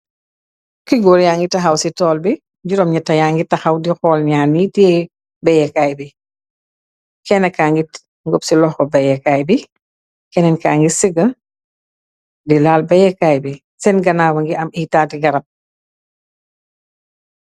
Ki góor ya ngi taxaw ci toll bi juróom ña taya ngi taxaw di xool naar ni te béyekaay bi kenn ka ngi ngopp ci loxo béyekaay bi kenneen ka ngi siga di laal béyeekaay bi seen ganawa ngi am itaati garab.